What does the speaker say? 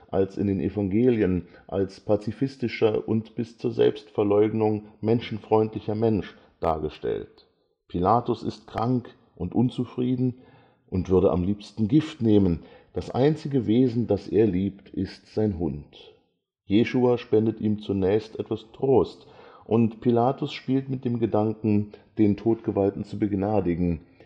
als in den Evangelien als pazifistischer und bis zur Selbstverleugnung menschenfreundlicher Mensch dargestellt. Pilatus ist krank und unzufrieden und würde am liebsten Gift nehmen; das einzige Wesen, das er liebt, ist sein Hund. Jeschua spendet ihm zunächst etwas Trost, und Pilatus spielt mit dem Gedanken, den Todgeweihten zu begnadigen